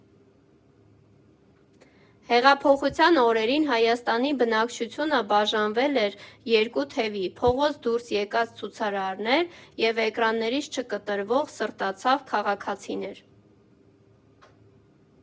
Հեղափոխության օրերին Հայաստանի բնակչությունը բաժանվել էր երկու թևի՝ փողոց դուրս եկած ցուցարարներ և էկրաններից չկտրվող սրտացավ քաղաքացիներ։